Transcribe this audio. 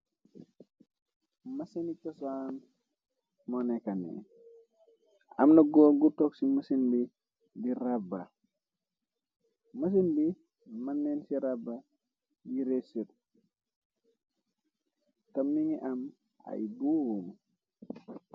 Mësini tosam moo nekane amna goo gu tog ci mësin bi di rabba mësin bi mën neen ci raba yiree siru tam mi ngi am ay guuum.